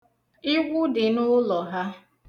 Igwu dị n'ụlọ ha.